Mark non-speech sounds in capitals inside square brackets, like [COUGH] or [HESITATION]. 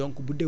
[HESITATION] [HESITATION]